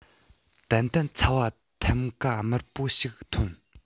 ཏན ཏན ཚ བ ཐམ ཀ དམར པོ ཞིག ཐོན